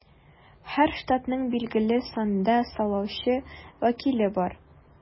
Һәр штатның билгеле санда сайлаучы вәкиле бар.